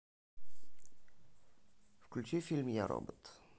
включи фильм я робот